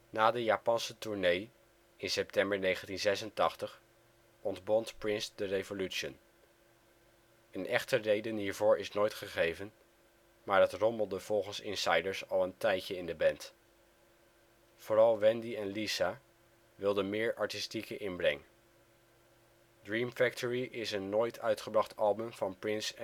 Na de Japanse tournee in september 1986 ontbond Prince de Revolution. Een echte reden hiervoor is nooit gegeven, maar het rommelde volgens insiders al een tijdje in de band. Vooral Wendy & Lisa wilden meer artistieke inbreng. Dream Factory is een nooit uitgebracht album van Prince